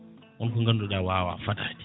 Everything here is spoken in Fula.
wonko ganduɗa wawani fadade